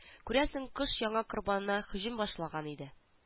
Күрәсең кош яңа корбанына һөҗүм башлаган иде